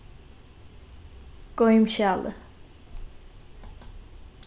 goym skjalið